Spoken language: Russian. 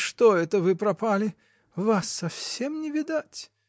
— Что это вы пропали: вас совсем не видать?